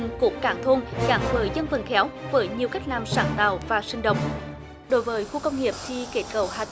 cụm cảng thuộc cảng bởi chiếc quần khéo bởi nhiều cách làm sáng tạo và sinh động đối với khu công nghiệp khi kết cấu hạ